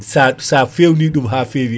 sa sa fewni ɗum ha fewi